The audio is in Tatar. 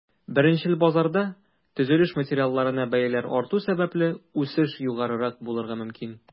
Беренчел базарда, төзелеш материалларына бәяләр арту сәбәпле, үсеш югарырак булырга мөмкин.